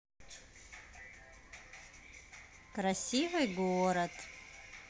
красивый город